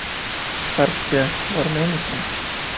parkka bormaymizmi